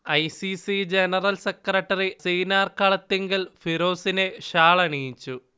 I. C. C general secretary Asainar Kalathingal ഫിറോസിനെ shawl അണിയിച്ചു